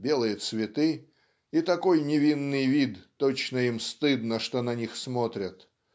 белые цветы и такой невинный вид точно им стыдно что на них смотрят.